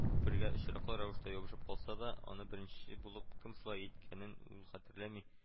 Күпергә очраклы рәвештә ябышып калса да, аны беренче булып кем шулай әйткәнен ул хәтерләми